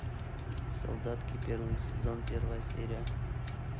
солдатки первый сезон первая серия